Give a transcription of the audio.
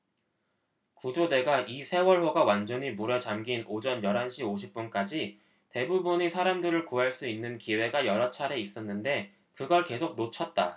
구조대가 이 세월호가 완전히 물에 잠긴 오전 열 한 시 오십 분까지 대부분의 사람들을 구할 수 있는 기회가 여러 차례 있었는데 그걸 계속 놓쳤다